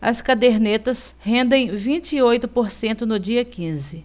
as cadernetas rendem vinte e oito por cento no dia quinze